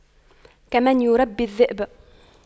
كمن يربي الذئب